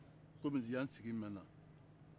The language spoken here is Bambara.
kɔmi yan sigi mɛnna